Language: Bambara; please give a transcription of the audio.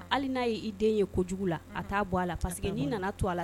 Hali n'a ye i den ye kojugu la a t'a bɔ a la parce que n'i nana tu a la